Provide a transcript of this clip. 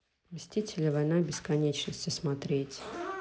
мстители война бесконечности смотреть